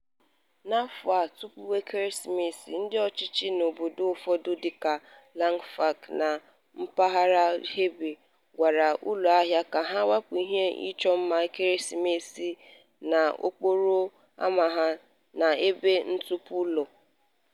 N'afọ a, tupu ekeresimesi, ndị ọchịchị n'obodo ụfọdụ dịka Langfang, na mpaghara Hebei, gwara ụlọahịa ka ha wepụ ihe ịchọ mma ekeresimesi n'okporo ámá ha na n'ebe ntapu ụlọ.